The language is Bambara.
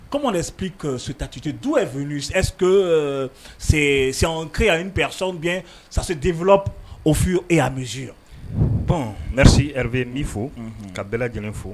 Komi de ka sutatite dukɛsɔn gɛn sasi den fɔlɔ o fɔye e y'a minz pan se rebube min fo ka bɛɛ lajɛlen fo